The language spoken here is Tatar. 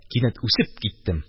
Кинәт үсеп киттем